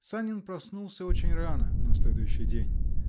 Санин проснулся очень рано на следующий день.